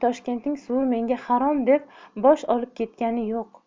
toshkentning suvi menga harom deb bosh olib ketgani yo'q